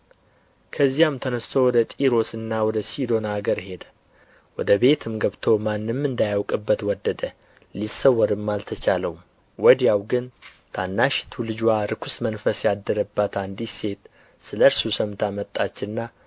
ከዚያም ተነሥቶ ወደ ጢሮስና ወደ ሲዶና አገር ሄደ ወደ ቤትም ገብቶ ማንም እንዳያውቅበት ወደደ ሊሰወርም አልተቻለውም ወዲያው ግን ታናሺቱ ልጅዋ ርኵስ መንፈስ ያደረባት አንዲት ሴት ስለ እርሱ ሰምታ መጣችና